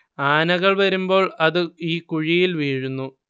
ആനകൾ വരുമ്പോൾ അത് ഈ കുഴിയിൽ വീഴുന്നു